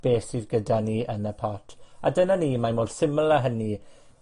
beth sydd gyda ni yn y pot, a dyna ni. Mae mor syml â hynny.